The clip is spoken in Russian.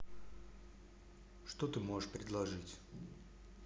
что ты можешь предложить